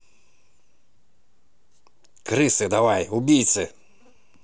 крысы давай убийцы